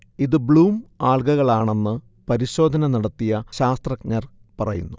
ഇത് ബ്ലൂം ആൽഗകളാണെന്ന് പരിശോധന നടത്തിയ ശാസ്തജഞർ പറയുന്നു